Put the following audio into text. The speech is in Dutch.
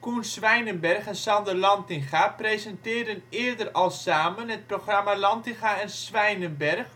Coen Swijnenberg en Sander Lantinga presenteerden eerder al samen het programma Lantinga en Swijnenberg